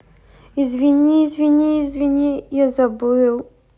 извини извини извини я забыл